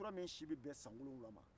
tura min si b'i bɛn san wolonfila ma